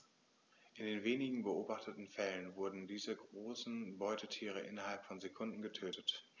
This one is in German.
In den wenigen beobachteten Fällen wurden diese großen Beutetiere innerhalb von Sekunden getötet.